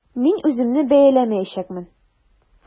Мин үземне бәяләмәячәкмен.